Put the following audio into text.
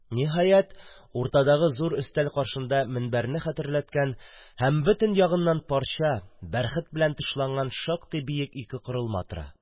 Ниһәят, уртадагы зур өстәл каршында мөнбәрне хәтерләткән һәм бөтен ягыннан парча, бәрхет белән тышланган шактый биек ике корылма тора.